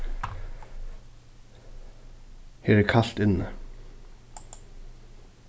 her er kalt inni